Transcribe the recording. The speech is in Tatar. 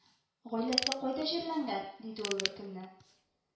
— гаиләсе кайда җирләнгән? — диде ул бер көнне